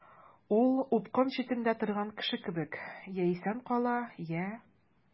Ул упкын читендә торган кеше кебек— я исән кала, я...